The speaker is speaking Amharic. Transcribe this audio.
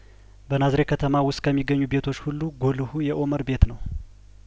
በናዝሬት ከተማ ውስጥ ከሚገኙ ቤቶች ሁሉ ጉልሁ የኡመር ቤት ነው